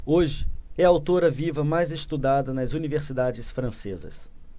hoje é a autora viva mais estudada nas universidades francesas